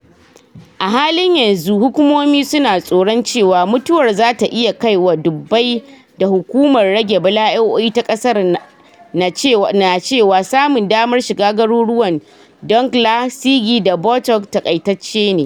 A halin yanzu, hukumomi su na tsoron cewa mutuwar za ta iya kaiwa dubbai da hukumar rage bala’o’i ta kasar na cewa samun damar shiga garuruwan Donggala, Sigi da Boutong takaitacce ne.